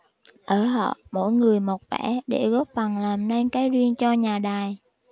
ở họ mỗi người một vẻ để góp phần làm nên cái riêng cho nhà đài